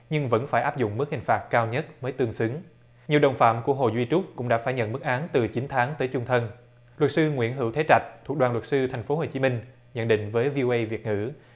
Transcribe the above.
nhưng vẫn phải áp dụng mức hình phạt cao nhất mới tương xứng nhiều đồng phạm của hồ duy trúc cũng đã phải nhận mức án từ chín tháng tới chung thân luật sư nguyễn hữu thế trạch đoàn luật sư thành phố hồ chí minh nhận định với vi ô ây việt ngữ